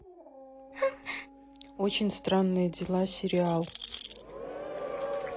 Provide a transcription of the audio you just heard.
очень странные дела сериал